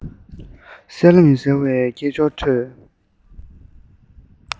གསལ ལ མི གསལ བའི སྐད ཅོར ཐོས